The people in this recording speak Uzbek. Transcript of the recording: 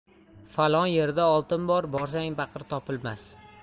falon yerda oltin bor borsang paqir topilmas